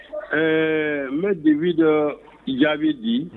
Ɛɛ n bɛ dibi dɔ jaabi di